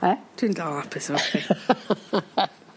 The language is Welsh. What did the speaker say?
Be? Dwi'n dal apus efo chdi.